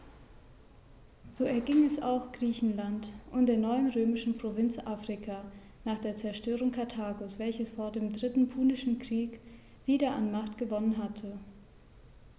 So erging es auch Griechenland und der neuen römischen Provinz Afrika nach der Zerstörung Karthagos, welches vor dem Dritten Punischen Krieg wieder an Macht gewonnen hatte.